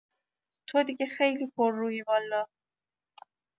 تو دیگه خیلی پررویی والا